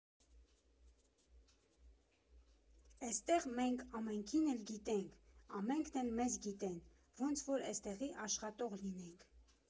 Էստեղ մենք ամենքին էլ գիտենք, ամենքն էլ մեզ գիտեն, ոնց որ էստեղի աշխատող լինենք։